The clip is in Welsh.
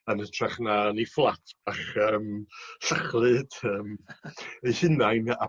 Yn hytrach 'na yn 'u fflat bach yym sychlyd yym ei hunain a